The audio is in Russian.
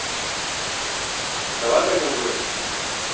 давай пойдем гулять